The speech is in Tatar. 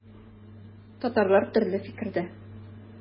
Татарлар төрле фикердә.